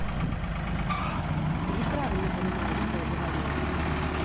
ты неправильно понимаешь что я говорю